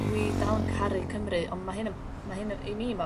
dwi dal yn caru Cymru ond ma' hyn yn ma' hyn yn i mi ma'